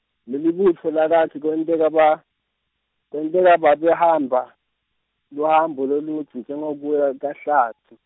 Lelibutfo lakakhe kwenteka ba-, kwenteka babehamba, luhambo loludze njengekuya kaHlatsi.